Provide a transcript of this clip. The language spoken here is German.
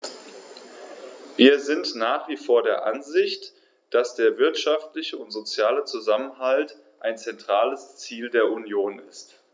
Wir sind nach wie vor der Ansicht, dass der wirtschaftliche und soziale Zusammenhalt ein zentrales Ziel der Union ist.